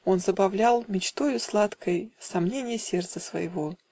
Он забавлял мечтою сладкой Сомненья сердца своего